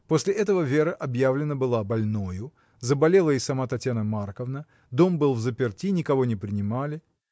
После этого Вера объявлена была больною, заболела и сама Татьяна Марковна, дом был на заперти: никого не принимали.